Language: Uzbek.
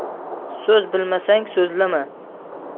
so'z bilmasang so'zlama